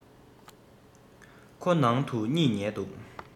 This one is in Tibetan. ཁོ ནང དུ གཉིད ཉལ འདུག